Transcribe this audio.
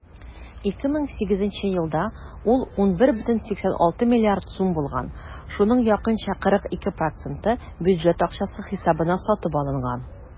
2008 елда ул 11,86 млрд. сум булган, шуның якынча 42 % бюджет акчасы хисабына сатып алынган.